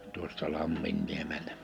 tuosta Lamminniemeltä